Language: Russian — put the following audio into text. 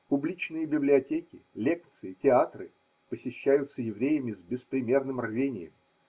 Публичные библиотеки, лекции, театры посещаются евреями с беспримерным рвением.